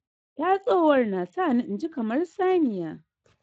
Tatsowar na sani inji kamar saniya.